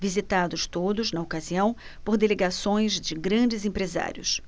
visitados todos na ocasião por delegações de grandes empresários